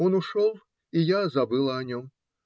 Он ушел, и я забыла о нем.